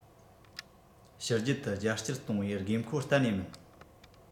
ཕྱི རྒྱལ དུ རྒྱ སྐྱེད གཏོང བའི དགོས མཁོ གཏན ནས མིན